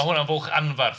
Ma' hwnna'n fwlch anferth.